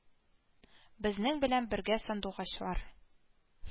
Безнең белән бергә сандугачлар